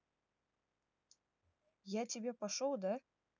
я тебе пошел да